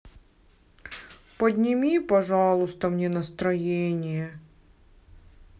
подними пожалуйста мне настроение